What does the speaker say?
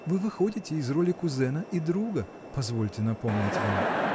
Вы выходите из роли кузеня и друга — позвольте напомнить вам.